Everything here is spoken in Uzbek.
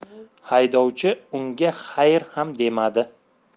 haydovchi unga xayr ham demadi